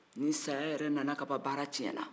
ni saya yɛrɛ nana ka ban baara tiɲɛna